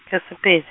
ke Seped-.